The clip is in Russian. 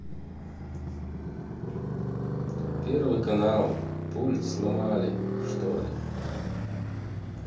первый канал пульт сломали что ли